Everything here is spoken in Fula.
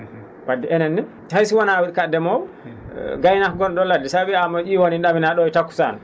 wadde enen ne hay so wonaa ko a ndemoowo gaynaako gon?o ladde so a wiyaama ?iwonde ne ?amina ?o e takusan